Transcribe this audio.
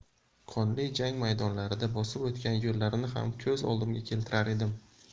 qonli jang maydonlarida bosib o'tgan yo'llarini ham ko'z oldimga keltirar edim